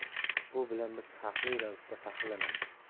bu bilan biz haqli ravishda faxrlanamiz